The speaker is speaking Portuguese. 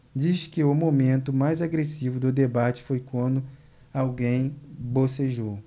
diz que o momento mais agressivo do debate foi quando alguém bocejou